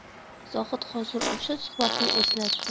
zohid hozir o'sha suhbatni eslatdi